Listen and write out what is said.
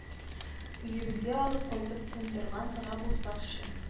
Өебезгә алып кайтып кундырган гына булсакчы